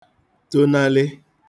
tonalị